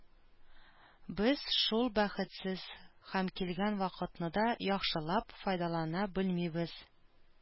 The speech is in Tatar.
Без шул бәхетсез һәм килгән вакытны да яхшылап файдалана белмибез.